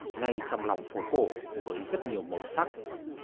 ngay trong lòng phố cổ với rất nhiều màu sắc